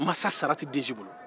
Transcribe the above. mansa sara tɛ den si bolo